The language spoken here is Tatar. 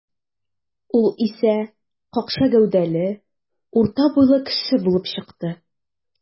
Ул исә какча гәүдәле, урта буйлы кеше булып чыкты.